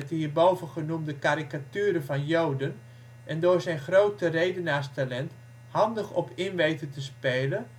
hierboven genoemde karikaturen van joden en door zijn grote redenaarstalent handig op in weten te spelen